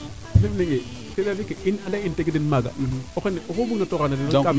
kam ley nge ande in tegu den maaga o xene oxu bugna toroxana den